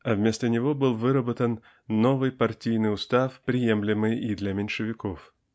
а вместо него был выработан новый партийный устав приемлемый и для меньшевиков.